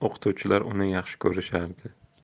o'qituvchilar uni yaxshi ko'rishardi